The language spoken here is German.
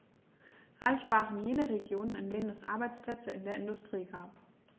Reich waren jene Regionen, in denen es Arbeitsplätze in der Industrie gab.